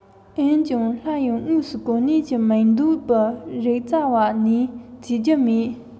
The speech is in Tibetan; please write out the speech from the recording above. མི རབས དང པོའི འགོ ཁྲིད མཉམ སྡེབ ཀྱི སྲོག ཤིང ནི མའོ ཀྲུའུ ཞི རེད